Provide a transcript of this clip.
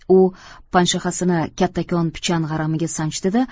u panshaxasini kattakon pichan g'aramiga sanchdi da